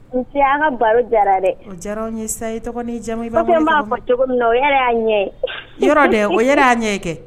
Nse! a ka baro jara dɛ. O jara an ye sa ,e tɔgɔ ni jamu, i b'an wele ka bɔ . M'a fɔ cogo min, o yɛrɛ y'a ɲɛ ye . Yɔrɔ dɛ! O yɛrɛ y'a ɲɛ ye kɛ.